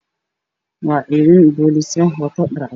Waa ciidan boolis ah wato dhar cad